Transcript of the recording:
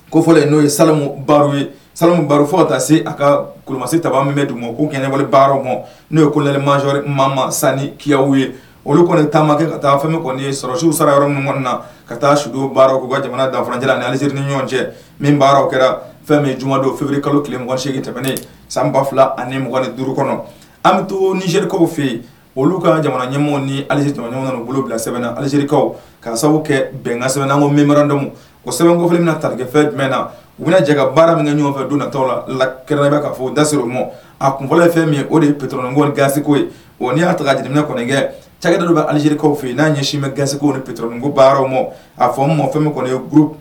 Ko fɔlen n'o ye samu ye samu baa fɔw ta se a ka kulumasasi taba min bɛ dugu ma ko kɛwale baararaw ma n'o ye koli mari maama san kiyaw ye olu kɔni nin taama kɛ ka taa fɛn kɔni sɔrɔsiw sara yɔrɔ minnu na ka taa su baara'u ka jamana danjɛ ni alize ni ɲɔgɔn cɛ min baararaww kɛra fɛn min juma don fi kalo kelensee tɛmɛnen sanba fila ani mugan duuru kɔnɔ an bɛ to nizrikaw fɛ yen olu ka jamana ɲɛmɔgɔ ni alizse ɲɔgɔn bolo bila sɛbɛnna alizerikaw ka sababu kɛ bɛnkasɛ sɛbɛn anko miradenwmu wa sɛbɛnkofi na terikɛri fɛn jumɛn na u jɛ ka baara min kɛ ɲɔgɔnfɛ don natɔ la lakɛɛrɛ bɛ k kaa fɔ daser o ma a kunkolokɔ ye fɛn min o de ye pte gaseko ye n'i'a ta ka kɔni kɛ cakɛ dɔ bɛ alizekaw fɛ n'a ɲɛ simɛ ganseko ni pte ko baararaww ma a fɔ ma fɛn kɔni ye g